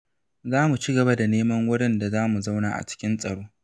Za mu cigaba da neman wurin da za mu zauna a cikin tsaro.